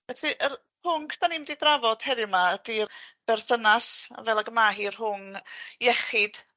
Felly yr pwnc 'dan ni mynd i drafod heddiw 'ma ydi'r berthynas fel ag y ma' hi rhwng iechyd